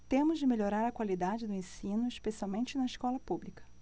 temos de melhorar a qualidade do ensino especialmente na escola pública